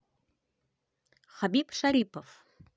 хабиб шарипов